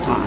waaw